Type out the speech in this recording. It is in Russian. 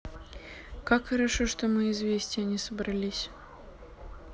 как хорошо что мы известия не собрались